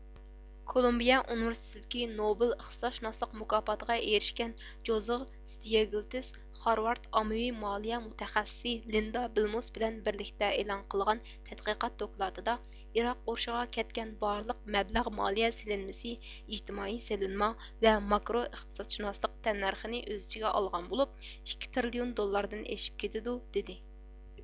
كولومبىيە ئۇنىۋېرسىتېتىدىكى نوبېل ئىقتىسادشۇناسلىق مۇكاپاتىغا ئېرىشكەن جوزىغ ستيېگلتىس خارۋارد ئاممىۋى مالىيە مۇتەخەسسىسى لىندا بىلمۇس بىلەن بىرلىكتە ئېلان قىلغان تەتقىقات دوكلاتىدا ئىراق ئۇرۇشىغا كەتكەن بارلىق مەبلەغ مالىيە سېلىنمىسى ئىجتىمائىي سېلىنما ۋە ماكرو ئىقتىسادشۇناسلىق تەننەرخىنى ئۆز ئىچىگە ئالغان بولۇپ ئىككى تىرىليون دوللاردىن ئېشىپ كېتىدۇ دىدى